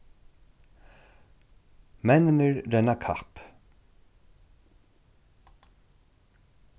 menninir renna kapp